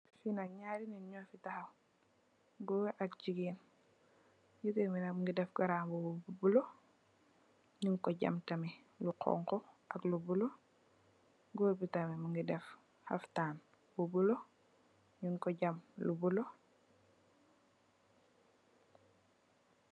Fi nak nyarri nit nyofi tahaw gorr ak gigain gigain bi nak Mungi deff garambuba bu blue nyungko jaam tamit lu hunhu ak lu blue gorr bi tamit Mungi deff halftan bu blue nyungko jaam lu blue.